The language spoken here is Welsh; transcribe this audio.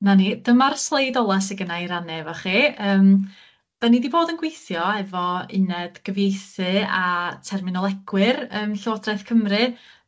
'Na ni dyma'r sleid ola sy gynnai i rannu efo chi yym 'dan ni 'di bod yn gweithio efo uned gyfieithu a terminolegwyr yn Llywodraeth Cymru